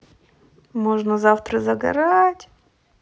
можно завтра загорать